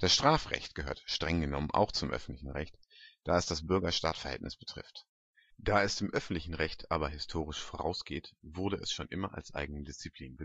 Strafrecht gehört streng genommen auch zum öffentlichen Recht, da es das Bürger-Staat-Verhältnis betrifft. Da es dem öffentlichen Recht aber historisch vorausgeht, wurde es schon immer als eigene Disziplin